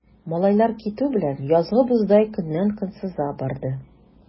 Малайлар китү белән, язгы боздай көннән-көн сыза барды.